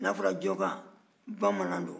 n'a fɔra jɔnka bamanan don